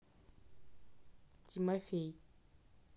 тимофей